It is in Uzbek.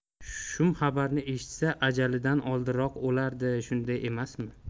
shum xabarni eshitsa ajalidan oldinroq o'lardi shunday emasmi